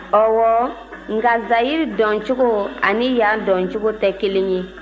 ɔwɔ nka zayiri dɔncogo ani yan dɔncogo tɛ kelen ye